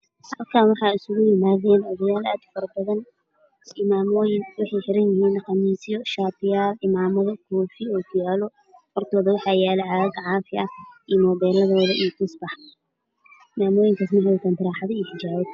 Waa hool waxaa iskugu imaaday niman farabadan waxaa horyaalo miis maraad saaran tahay waxay qabaan shaatiyo kofiyo cadaan mana ayaa ka dambeeyo